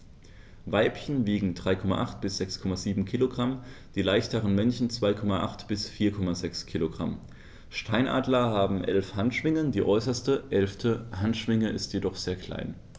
Weibchen wiegen 3,8 bis 6,7 kg, die leichteren Männchen 2,8 bis 4,6 kg. Steinadler haben 11 Handschwingen, die äußerste (11.) Handschwinge ist jedoch sehr klein.